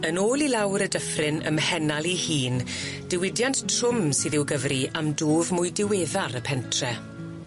Yn ôl i lawr y dyffryn ym Mhennal 'i hun diwydiant trwm sydd i'w gyfri am dwf mwy diweddar y pentre.